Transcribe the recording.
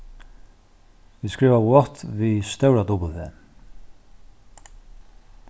vit skriva watt við stóra w